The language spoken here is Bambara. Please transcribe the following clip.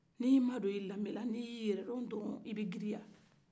ni ye i madon dambe la n'i yɛrɛ don dɔrɔn i bɛ giriya